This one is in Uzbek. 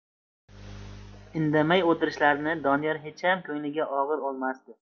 indamay o'tishlarini doniyor hecham ko'ngliga og'ir olmasdi